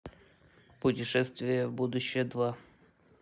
путешествие в будущее два